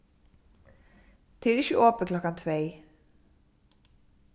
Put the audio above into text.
tað er ikki opið klokkan tvey